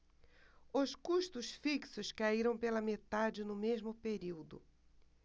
os custos fixos caíram pela metade no mesmo período